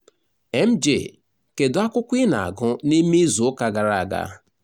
MJ: Kedu akwụkwọ ị na-agụ n'ime izu ụka gara aga?